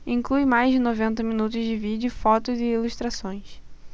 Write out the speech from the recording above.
inclui mais de noventa minutos de vídeo fotos e ilustrações